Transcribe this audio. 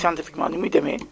scientifiquement ni muy demee